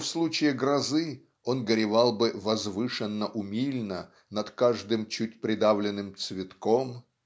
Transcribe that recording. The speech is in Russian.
что в случае грозы он горевал бы "возвышенно-умильно над каждым чуть придавленным цветком